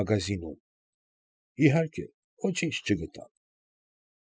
Մագազինում։ Իհարկե, ոչինչ չգտան։